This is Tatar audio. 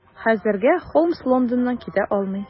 Хәзергә Холмс Лондоннан китә алмый.